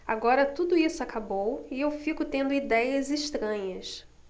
agora tudo isso acabou e eu fico tendo idéias estranhas